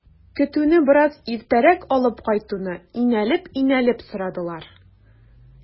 Көтүне бераз иртәрәк алып кайтуны инәлеп-инәлеп сорадылар.